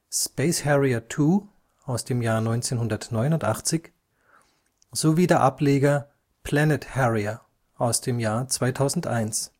Space Harrier II (1989), sowie der Ableger Planet Harrier (2001